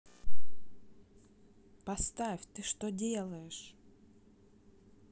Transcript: поставь ты что делаешь